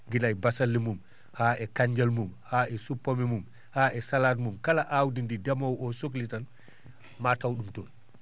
gila e basalle mum haa e kannjal mum haa e suppome mum haa e salade kala aawdi ndi ndemoowo o sohli tan ma taw ɗum toon